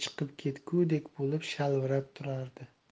chiqib ketgudek bo'lib shalvirab turardi